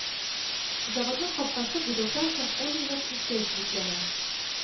Заводның капкасы гудоктан соң ун минут үткәч бикләнә